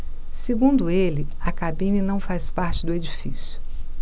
segundo ele a cabine não faz parte do edifício